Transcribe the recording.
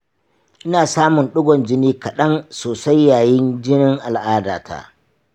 ina samun digon jini kaɗan sosai yayin jinin al’adata.